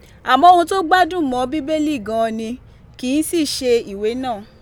Àmọ́ ohun tó gbádùn mọ́ Bíbélì gan an ni, kì í sì í ṣe ìwé náà.